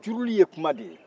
juruli ye kuma de ye